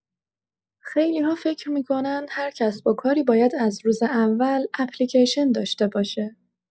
خیلی‌ها فکر می‌کنن هر کسب‌وکاری باید از روز اول اپلیکیشن داشته باشه.